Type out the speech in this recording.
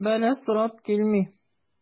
Бәла сорап килми.